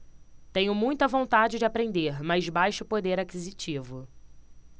tenho muita vontade de aprender mas baixo poder aquisitivo